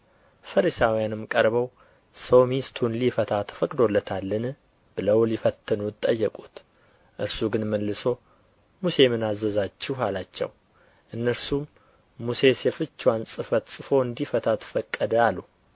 ፈሪሳውያንም ቀርበው ሰው ሚስቱን ሊፈታ ተፈቅዶለታልን ብለው ሊፈትኑት ጠየቁት እርሱ ግን መልሶ ሙሴ ምን አዘዛችሁ አላቸው እነርሱም ሙሴስ የፍችዋን ጽሕፈት ጽፎ እንዲፈታት ፈቀደ አሉ